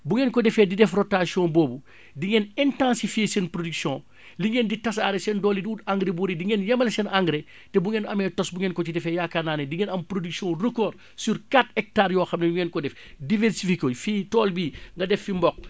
bu ngeen ko defee di def rotation boobu di ngeen intensifier seen production li ngeen di tasaare seen tool yi di wut engrais di ngeen yemale seen engrais te bu ngeen amee tos bu ngeen ko ci defee yaakaar naa ne di ngeen am production record sur ' hectares yoo xam ne di ngeen ko def diversifié ko fii tool bii nga def fi mboq